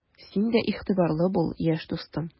Син дә игътибарлы бул, яшь дустым!